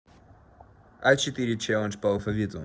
а четыре челлендж по алфавиту